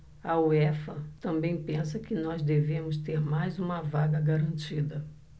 a uefa também pensa que nós devemos ter mais uma vaga garantida